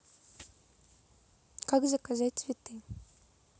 как заказать цветы